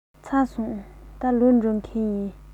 ཚར སོང ད ལོག འགྲོ མཁན ཡིན